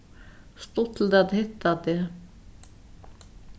stuttligt at hitta teg